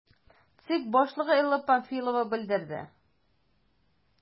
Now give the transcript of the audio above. ЦИК башлыгы Элла Памфилова белдерде: